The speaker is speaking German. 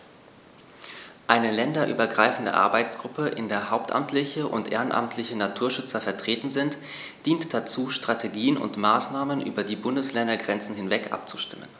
Eine länderübergreifende Arbeitsgruppe, in der hauptamtliche und ehrenamtliche Naturschützer vertreten sind, dient dazu, Strategien und Maßnahmen über die Bundesländergrenzen hinweg abzustimmen.